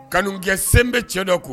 Kalan kɛ sen bɛɛ cɛ dɔ kun